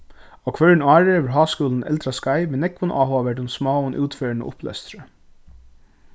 á hvørjum ári hevur háskúlin eldraskeið við nógvum áhugaverdum smáum útferðum og upplestri